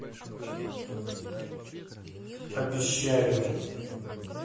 обещаю